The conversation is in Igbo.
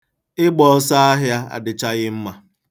Ịgba ọsọahịā adịchaghi mma.